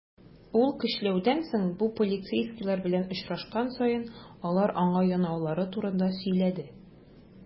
Ул, көчләүдән соң, бу полицейскийлар белән очрашкан саен, алар аңа янаулары турында сөйләде.